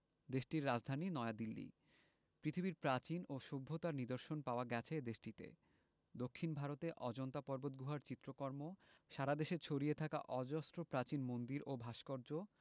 দেশটির রাজধানী নয়াদিল্লী পৃথিবীর প্রাচীন ও সভ্যতার নিদর্শন পাওয়া গেছে এ দেশটিতে দক্ষিন ভারতে অজন্তা পর্বতগুহার চিত্রকর্ম সারা দেশে ছড়িয়ে থাকা অজস্র প্রাচীন মন্দির ও ভাস্কর্য